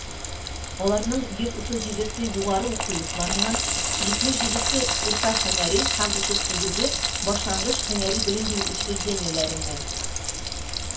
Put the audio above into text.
Аларның 137 се - югары уку йортларыннан, 77 - урта һөнәри һәм 38 башлангыч һөнәри белем бирү учреждениеләреннән.